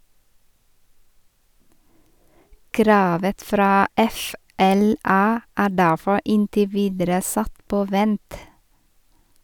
Kravet fra FLA er derfor inntil videre satt på vent.